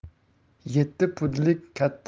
yetti pudlik katta